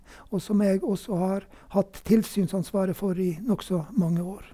Og som jeg også har hatt tilsynsansvaret for i nokså mange år.